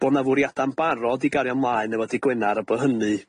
Bo' 'na fwriada'n barod i gario mlaen efo dy' Gwenar, a bo' hynny